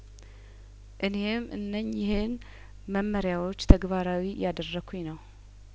እኔም እነኚህን መመሪያዎች ተግባራዊ እያደረ ኩኝ ነው